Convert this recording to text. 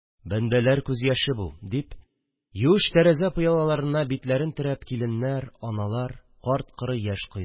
– бәндәләр күз яше бу, – дип, юеш тәрәзә пыялаларына битләрен терәп, киленнәр, аналар, карт-коры яшь койды